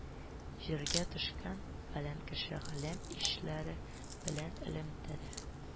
Җиргә төшкән, фәлән кеше галәм илчеләре белән элемтәдә